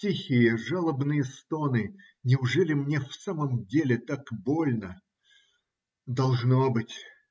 Тихие, жалобные стоны; неужели мне в самом деле так больно? Должно быть.